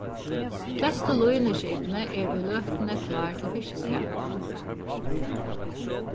flestu línuskipini eru í løtuni til fiskiskap